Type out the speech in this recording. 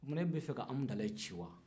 o tumana e b'a fɛ ka amudalayi ci wa